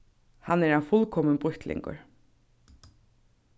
hann er ein fullkomin býttlingur